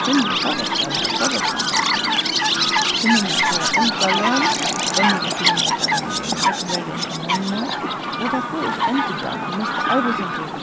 kvinnuligar fótbóltsspælarar í fótbóltssambandinum kvinnurnar fáa onga løn venjingartíðirnar hjá teimum eru nógv verri enn hjá monnum og tær fáa ikki endurgjald fyri mista arbeiðsinntøku